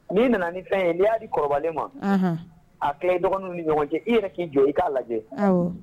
N' nana ni fɛn in n'i y'a di kɔrɔbalilen ma a tile dɔgɔnin ni ɲɔgɔn cɛ i yɛrɛ k'i jɔ i k'a lajɛ